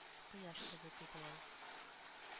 Кояш кебек иде ул